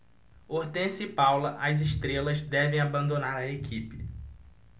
hortência e paula as estrelas devem abandonar a equipe